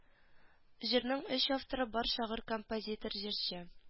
Җырның өч авторы бар шагыйрь композитор җырчы